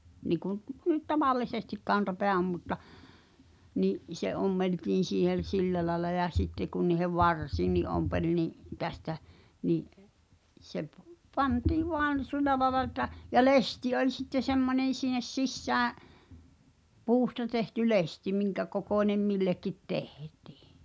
niin kuin nyt tavallisesti kantapää on mutta niin se ommeltiin siihen sillä lailla ja sitten kun niiden varsiinkin ompeli niin tästä niin se - pantiin vain sillä lailla että ja lesti oli sitten semmoinen sinne sisään puusta tehty lesti minkäkokoinen millekin tehtiin